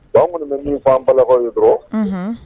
Bon ale ka an kɔnni bɛ min fɔ an balakaw ye dɔrɔn. Unhun!